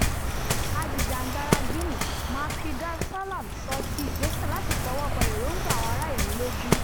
Ajìjàǹgbara Guinea Macky Darsalam sọ ti ìgbésẹ̀ láti tọwọ́ bọ èròńgbà àwọn ará ìlú lójú: